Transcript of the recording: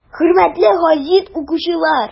Хөрмәтле гәзит укучылар!